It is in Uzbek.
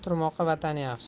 turmoqqa vatan yaxshi